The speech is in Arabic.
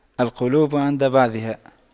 القلوب عند بعضها